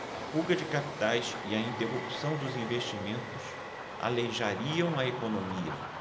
a fuga de capitais e a interrupção dos investimentos aleijariam a economia